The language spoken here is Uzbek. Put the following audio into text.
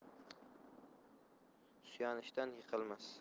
suyanishgan yiqilmas